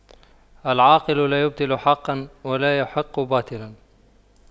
العاقل لا يبطل حقا ولا يحق باطلا